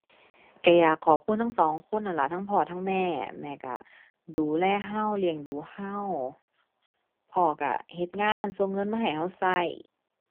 ก็อยากขอบคุณทั้งสองคนนั่นล่ะทั้งพ่อทั้งแม่ แม่ก็ดูแลก็เลี้ยงดูก็ พ่อก็เฮ็ดงานส่งเงินมาให้ก็ก็